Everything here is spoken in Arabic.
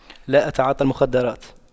لا أتعاطى المخدرات